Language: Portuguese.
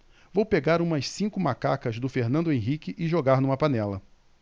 vou pegar umas cinco macacas do fernando henrique e jogar numa panela